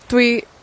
dwi